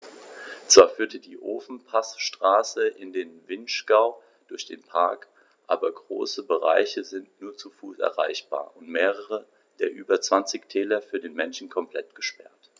Zwar führt die Ofenpassstraße in den Vinschgau durch den Park, aber große Bereiche sind nur zu Fuß erreichbar und mehrere der über 20 Täler für den Menschen komplett gesperrt.